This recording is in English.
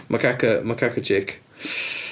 Macaque, macaque chick .